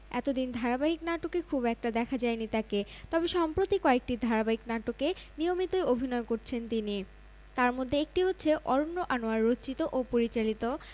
এতদিন ধারাবাহিক নাটকে খুব একটা দেখা যায়নি তাকে তবে সম্প্রতি কয়েকটি ধারাবাহিক নাটকে নিয়মিতই অভিনয় করছেন তিনি তার মধ্যে একটি হচ্ছে অরন্য আনোয়ার রচিত ও পরিচালিত